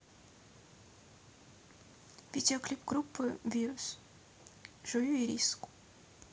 видеоклип группы вирус жую ириску